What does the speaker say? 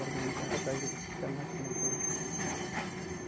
borganda atigi ikkita mashina qolgan bo'lgan